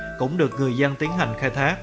cũng được người dân tiến hành khai thác